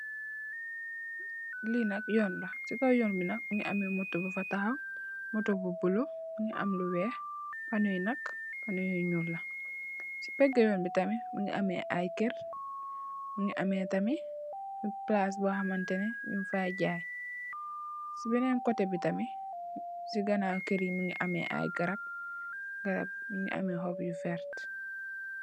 Li nak yoon la ci kaw yoon bi nak mugii ameh moto bu fa taxaw, moto bu bula mugii am lu wèèx panu yi nak panu yu ñuul la. Ci pega yoon bi nak mugii ameh ay kèr, mugii ameh tamit palas bo xamanteni ñing fay jaay. Ci benen koteh tamid ci ganaw kèr yi ñu ngi ameh garap, garap yi ñu ngi ameh xob yu werta.